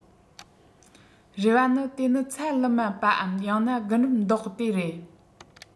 རེ བ ནི དེ ནི ཚ ལུ མ པའམ ཡང ན རྒུན འབྲུམ མདོག དེ རེད